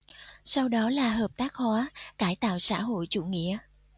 sau đó là hợp tác hóa cải tạo xã hội chủ nghĩa